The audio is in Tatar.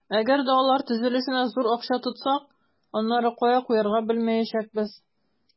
Әгәр дә алар төзелешенә зур акча тотсак, аннары кая куярга белмәячәкбез.